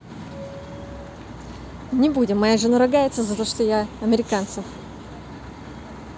не будем моя жена ругается что я за американцев